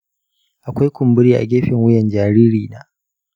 akwai kumburi a gefen wuyan jaririna.